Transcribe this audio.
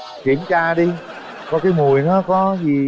kiểm tra đi coi cái mùi nó có gì